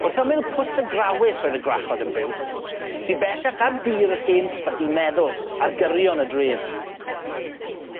Wrth ymyl Pwll Y Grawys oedd y gwrachod yn byw sy bellach ar dir yr hen sbyty meddwl, ar gyrion y dref.